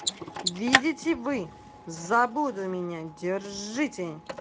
видите вы забуду меня держите